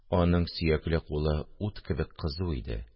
Аның сөякле кулы ут кебек кызу иде